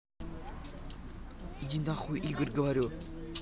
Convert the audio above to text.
иди нахуй игорь говорю